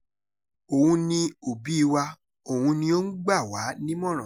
Òun ni òbíi wa, òun ni ó ń gbà wá nímọ̀ràn.